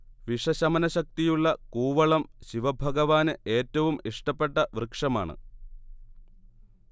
വിഷശമനശക്തിയുളള കൂവളം ശിവഭഗവാന് ഏറ്റവും ഇഷ്ടപ്പെട്ട വൃക്ഷമാണ്